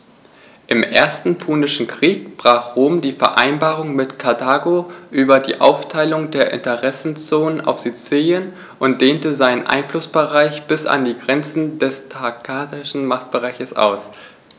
Im Ersten Punischen Krieg brach Rom die Vereinbarung mit Karthago über die Aufteilung der Interessenzonen auf Sizilien und dehnte seinen Einflussbereich bis an die Grenze des karthagischen Machtbereichs aus.